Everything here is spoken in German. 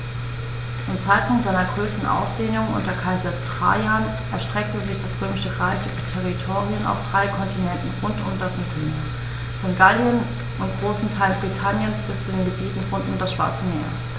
Zum Zeitpunkt seiner größten Ausdehnung unter Kaiser Trajan erstreckte sich das Römische Reich über Territorien auf drei Kontinenten rund um das Mittelmeer: Von Gallien und großen Teilen Britanniens bis zu den Gebieten rund um das Schwarze Meer.